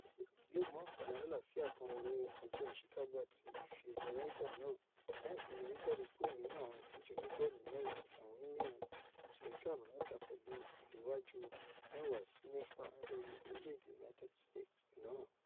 Ilẹ̀ Yúróòpù yóò mú ànfààni alálàáfíà kan wọnú ọjọ́ àṣèkágbá ti Ife-ẹ̀yẹ Ryder náà lẹ́yìn tí yọrí jàde kúrò nínú àwọn ìdíje oníbọ́ọ̀lù-mẹ́rin àti àwọn onímẹrin ti ọjọ Àbámẹ́ta pẹ̀lú ìléwájú 10-6 lórí orílẹ̀-èdè United States náà.